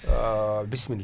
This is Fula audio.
bissimilla